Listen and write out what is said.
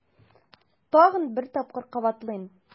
Тагын бер тапкыр кабатлыйм: